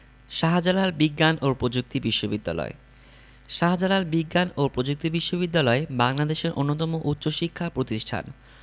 শাহ্জালাল বিজ্ঞান ও প্রযুক্তি বিশ্ববিদ্যালয় শাহ্জালাল বিজ্ঞান ও প্রযুক্তি বিশ্ববিদ্যালয় বাংলাদেশের অন্যতম উচ্চশিক্ষা প্রতিষ্ঠান